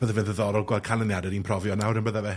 Bydde fe ddiddorol gweld canlyniad yr un profiad nawr yn bydde fe?